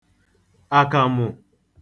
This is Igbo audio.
àkàmụ̀